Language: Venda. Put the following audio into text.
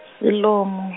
Siḽomu.